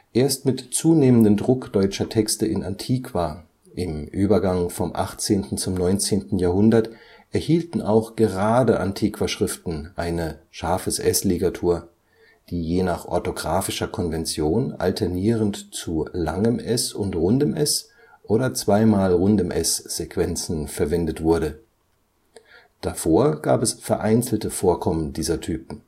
Erst mit zunehmendem Druck deutscher Texte in Antiqua im Übergang vom 18. zum 19. Jahrhundert erhielten auch gerade Antiquaschriften eine ß-Ligatur, die je nach orthografischer Konvention alternierend zu ſs - oder ss-Sequenzen verwendet wurde. Davor gab es vereinzelte Vorkommen dieser Typen